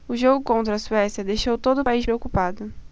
o jogo contra a suécia deixou todo o país preocupado